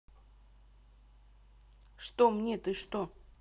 что мне ты что